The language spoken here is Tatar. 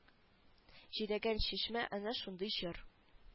Җидегән чишмә әнә шундый җыр